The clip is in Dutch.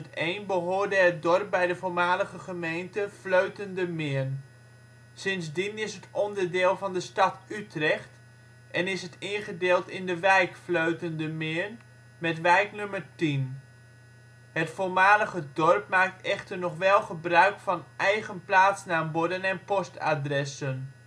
2001 behoorde het dorp bij de voormalige gemeente Vleuten-De Meern. Sindsdien is het een onderdeel van de stad Utrecht en is het ingedeeld bij de wijk Vleuten-De Meern met wijknummer 10. Het voormalige dorp maakt echter nog wel gebruik van ' eigen ' plaatsnaamborden en postadressen